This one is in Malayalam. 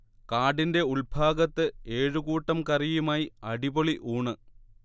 കാടിന്റ ഉൾഭാഗത്ത് ഏഴുകൂട്ടം കറിയുമായി അടിപൊളി ഊണ്